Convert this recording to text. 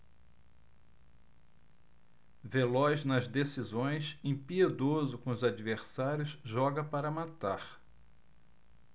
veloz nas decisões impiedoso com os adversários joga para matar